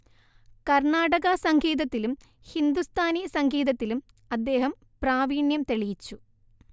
കര്‍ണാടക സംഗീതത്തിലും ഹിന്ദുസ്ഥാനി സംഗീതത്തിലും അദ്ദേഹം പ്രാവീണ്യം തെളിയിച്ചു